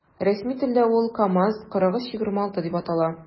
Рәсми телдә ул “КамАЗ- 4326” дип атала.